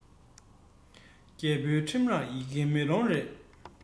རྒྱལ པོའི ཁྲིམས རར ཡི གེ མེ ལོང རེད